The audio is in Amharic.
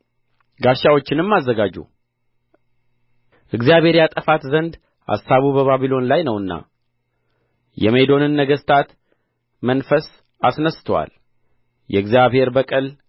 ጋሻዎችንም አዘጋጁ እግዚአብሔር ያጠፋት ዘንድ አሳቡ በባቢሎን ላይ ነውና የሜዶንን ነገሥታት መንፈስ አስነሥቶአል የእግዚብሔር በቀል